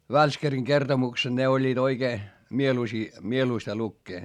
Välskärin kertomukset ne olivat oikein mieluisia mieluista lukea